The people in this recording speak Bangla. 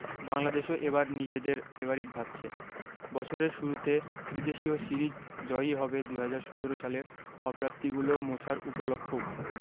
বাংলাদেশও এবার নিজেদের ফেবারিট ভাবছে বছরের শুরুতে ত্রিদেশীয় সিরিজ জয়ই হবে ২০১৭ সালের অপ্রাপ্তিগুলো মোছার উপলক্ষও